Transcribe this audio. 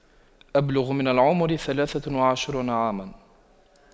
أبلغ من العمر ثلاثة وعشرون عاما